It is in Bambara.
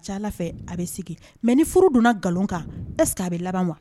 Ala fɛ a bɛ sigi mɛ ni furu donna nkalon kan ɛseke a bɛ laban wa